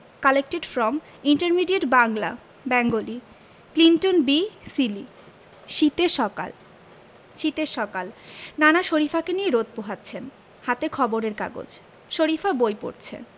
collected from intermediate Bangla Bengali Clinton B Seely শীতের সকাল শীতের সকাল নানা শরিফাকে নিয়ে রোদ পোহাচ্ছেন হাতে খবরের কাগজ শরিফা বই পড়ছে